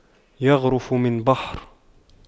يَغْرِفُ من بحر